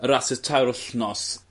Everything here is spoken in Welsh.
y rasys tair wthnos.